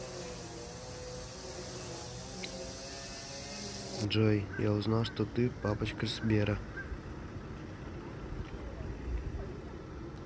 джой я узнал что ты папочка сбера